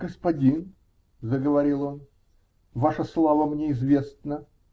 -- Господин, -- заговорил он, -- ваша слава мне известна.